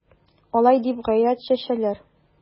Алай дип гайрәт чәчәләр...